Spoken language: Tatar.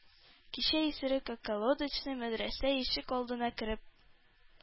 Кичә исерек околодочный мәдрәсә ишек алдына кереп,